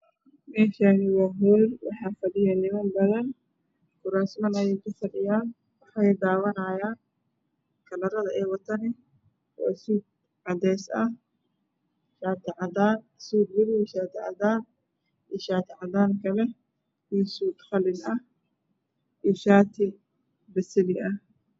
Meshan waa hol wen waxa fadhiyo nimanbadan kurasman ayey kufadhiyan waxay dabanayan kalarada aywatan Sud cadesah shaticadan suudmadow shaticadan iyo shaticadankale I suud qalineh iyo shati beseli ah